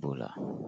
bula.